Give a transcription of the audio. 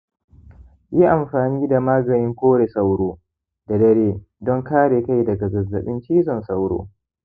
yi amfani da maganin kore sauro da dare don kare kai daga zazzabin cizon sauro